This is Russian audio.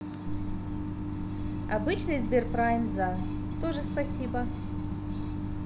обычный сберпрайм за тоже спасибо